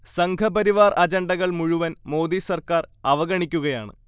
സംഘപരിവാർ അജണ്ടകൾ മുഴുവൻ മോദി സർക്കാർ അവഗണിക്കുകയാണ്